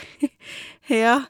Ja.